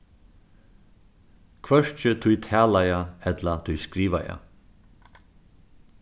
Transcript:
hvørki tí talaða ella tí skrivaða